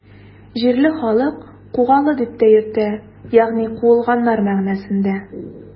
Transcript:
Җирле халык Кугалы дип тә йөртә, ягъни “куылганнар” мәгънәсендә.